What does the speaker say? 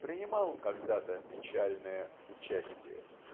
принимал когда-то печальное участие.